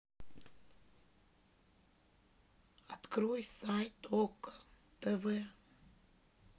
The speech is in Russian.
открой сайт окко тв